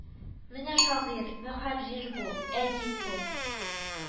Менә шагыйрь, мөхәррир бу, әдип бу